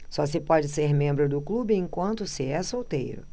só se pode ser membro do clube enquanto se é solteiro